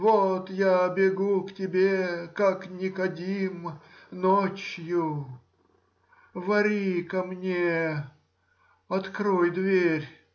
вот я бегу к тебе, как Никодим, ночью; вари ко мне, открой дверь.